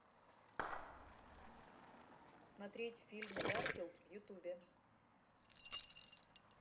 смотреть фильм гарфилд в ютубе